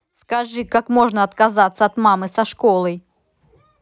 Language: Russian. скажи как можно отказаться от мамы со школой